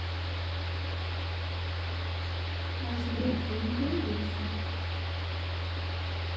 а звуки любите